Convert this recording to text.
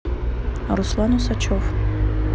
руслан усачев